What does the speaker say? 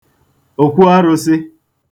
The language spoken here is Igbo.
òkwuarụ̄sị̄